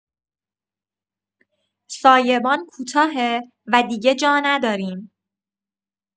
سایه‌بان کوتاهه و دیگه جا نداریم.